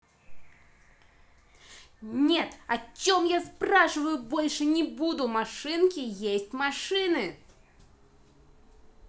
нет о чем я спрашиваю больше не буду машинки есть машины